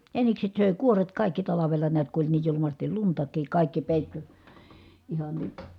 jänikset söi kuoret kaikki talvella näet kun oli niin julmasti luntakin kaikki peittyi ihan niin